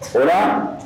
Tɔɔrɔ